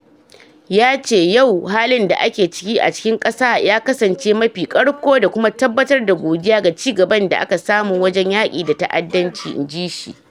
Ya ce, "Yau halin da ake ciki a cikin ƙasa ya kasance mafi karko da kuma tabbatar da godiya ga cigaban da aka samu wajen yaki da ta'addanci," inji shi.